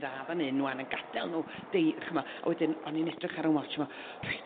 dda fan 'wan yn gad'el nhw dei- ch'mo' a wedyn o'n i'n edrych ar 'yn wats a m'l reit